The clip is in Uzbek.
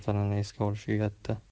xotinini esga olish uyatda